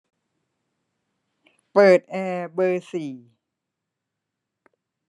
เปิดแอร์เบอร์สี่